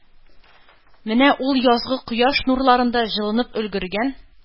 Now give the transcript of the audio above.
Менә ул язгы кояш нурларында җылынып өлгергән